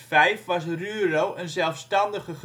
2005 was Ruurlo een zelfstandige gemeente